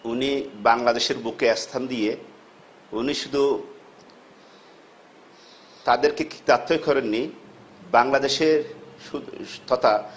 উনি বাংলাদেশের বুকে স্থান দিয়ে উনি শুধু তাদেরকে কৃতার্থ ই করেননি বাংলাদেশের তথা